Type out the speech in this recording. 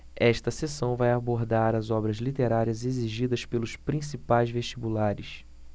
esta seção vai abordar as obras literárias exigidas pelos principais vestibulares